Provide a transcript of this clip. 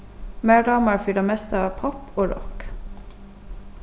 mær dámar fyri tað mesta popp og rokk